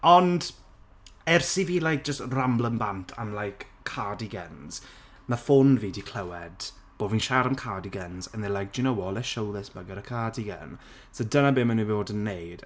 Ond, ers i fi like jyst ramblan bant am like cardigans ma' ffôn fi 'di clywed bo' fi'n siarad am cardigans and they're like "Do you know what? Let's show this bugger a cardigan" so dyna be' maen nhw 'di bod yn wneud